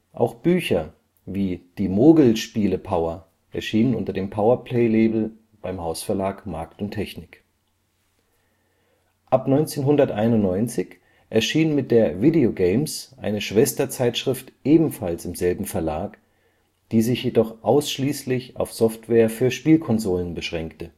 Auch Bücher wie Die Mogel-Spiele-Power erschienen unter dem Power Play-Label beim Hausverlag Markt & Technik. Ab 1991 erschien mit der Video Games eine Schwesterzeitschrift ebenfalls im selben Verlag, die sich jedoch ausschließlich auf Software für Spielkonsolen beschränkte